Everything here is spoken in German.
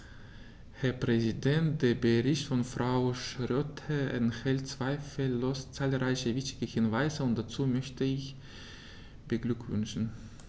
Herr Präsident, der Bericht von Frau Schroedter enthält zweifellos zahlreiche wichtige Hinweise, und dazu möchte ich sie beglückwünschen.